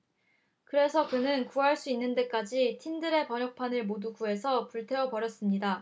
그래서 그는 구할 수 있는 데까지 틴들의 번역판을 모두 구해서 불태워 버렸습니다